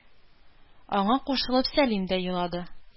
Аңа кушылып Сәлим дә елады...